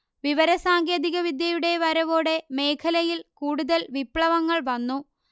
വിവരസാങ്കേതികവിദ്യയുടെ വരവോടെ മേഖലയിൽ കൂടുതൽ വിപ്ലവങ്ങൾ വന്നു